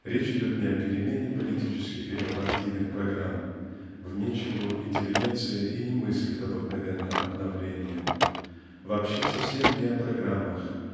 Речь идет не о перемене политических или партийных программ (вне чего интеллигенция и не мыслит обыкновенно обновления) вообще совсем не о программах